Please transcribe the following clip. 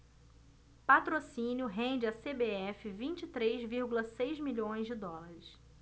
patrocínio rende à cbf vinte e três vírgula seis milhões de dólares